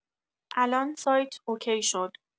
الان سایت اوکی شد.